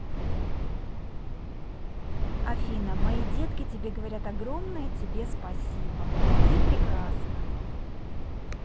афина мои детки тебе говорят огромное тебе спасибо ты прекрасна